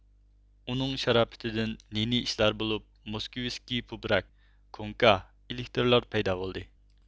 ئۇنىڭ شاراپىتىدىن نى نى ئىشلار بولۇپ موسكىۋىسكى بوبرۇك كوڭكا ئېلېكتىرلار پەيدا بولدى